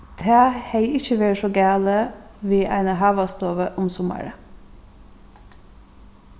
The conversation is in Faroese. tað hevði ikki verið so galið við eini havastovu um summarið